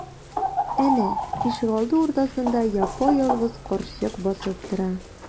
Әнә, ишегалды уртасында япа-ялгыз карчык басып тора.